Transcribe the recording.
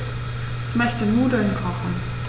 Ich möchte Nudeln kochen.